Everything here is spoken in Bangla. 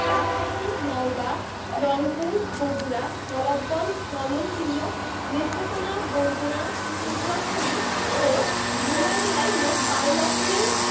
রাজশাহী নওগাঁ রংপুর বগুড়া নবাবগঞ্জ ময়মনসিংহ নেত্রকোনা বরগুনা পটুয়াখালী ও ভোলা জেলায় মোট ১২ লক্ষের